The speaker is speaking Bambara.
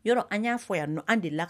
Yɔrɔ an y'a fɔ yan an de la